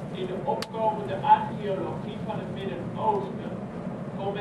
In de opkomende archeologie van het Midden-Oosten kon